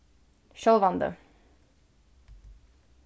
sjálvandi